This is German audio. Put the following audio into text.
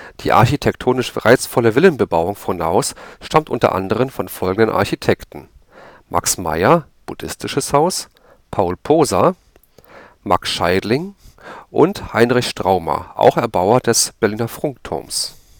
Die architektonisch reizvolle Villenbebauung Frohnaus stammt unter anderen von folgenden Architekten: Max Meyer (Buddhistisches Haus) Paul Poser Max Scheidling Heinrich Straumer (auch Erbauer des Berliner Funkturms